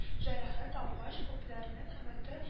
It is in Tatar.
Җәрәхәт алгач, күпләрнең өмете